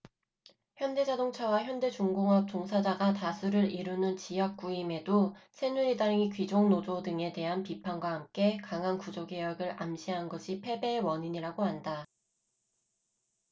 현대자동차와 현대중공업 종사자가 다수를 이루는 지역구임에도 새누리당이 귀족노조 등에 대한 비판과 함께 강한 구조개혁을 암시한 것이 패배의 원인이라고 한다